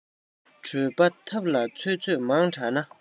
གྲོད པ ཐབ ལ ཚོད ཚོད མང དྲགས ན